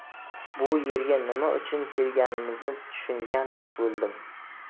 bu yerga nima uchun kelganimizni tushungandek bo'ldim